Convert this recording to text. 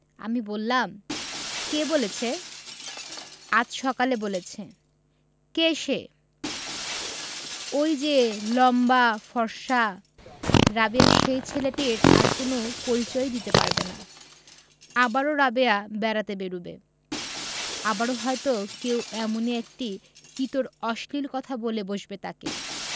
আমি বললাম কে বলেছে আজ সকালে বলেছে কে সে ঐ যে লম্বা ফর্সা রাবেয়া সেই ছেলেটির আর কোন পরিচয়ই দিতে পারবে না আবারও রাবেয়া বেড়াতে বেরুবে আবারো হয়তো কেউ এমনি একটি ইতর অশ্লীল কথা বলে বসবে তাকে